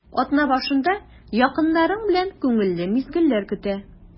Атна башында якыннарың белән күңелле мизгелләр көтә.